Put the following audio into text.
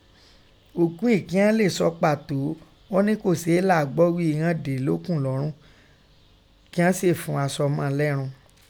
Òkú in kíghọn le sọ pato ọni kóo se la gbọ ghí ghan de lokun lọ́ọ́ kí ghọn sèè fun asọ mọ lẹ́run